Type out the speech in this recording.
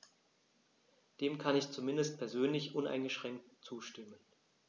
Dem kann ich zumindest persönlich uneingeschränkt zustimmen.